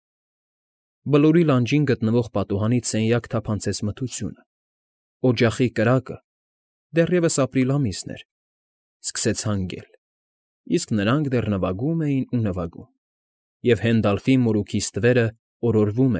Բլուրի լանջին գտնվող պատուհանից սենյակ թափանցեց մթությունը, օջախի կրակը (դեռևս ապրիլ ամիսն էր) սկսեց հանգել, իսկ նրանք դեռ նվագում էին ու նվագում, և Հենդալֆի մորուքի ստվերը օրորվում։